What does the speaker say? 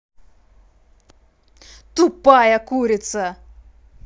тупая курица